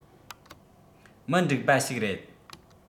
མི འགྲིག པ ཞིག རེད